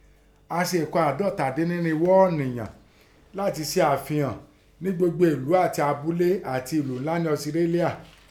A sèè kọ́ àrádọ́ta dẹ́n nẹ́rínghó ọ̀ọ̀yàn látẹn fẹ hàn nẹ́ gbogbo ẹ̀lú àtẹn abúlé àtẹn ẹ̀lù ńlá nẹ Ọsirélíà.